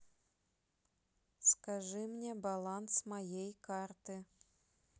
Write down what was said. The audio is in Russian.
скажи мне баланс моей карты